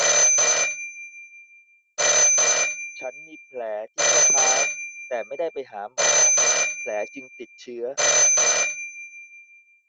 ฉันมีแผลที่ข้อเท้าแต่ไม่ได้ไปหาหมอแผลจึงติดเชื้อ